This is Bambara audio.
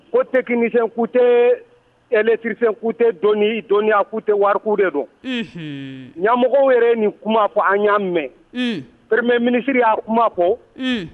Ko tɛk tɛtiririsi'u tɛ dɔni dɔnniya'u tɛ wariku de don ɲamɔgɔ yɛrɛ nin kuma ko an y'a mɛnmme minisiriri y'a kuma kɔ